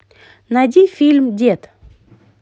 найди фильм дед